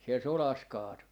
siellä sodassa kaatui